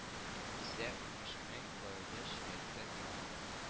Исә унбиш мең гаилә чиратта тора